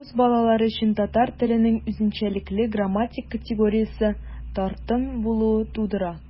Рус балалары өчен татар теленең үзенчәлекле грамматик категориясе - тартым булуы тудыра.